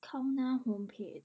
เข้าหน้าโฮมเพจ